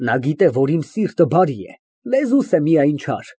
Նա գիտե որ իմ սիրտը բարի է, լեզուս է միայն չար։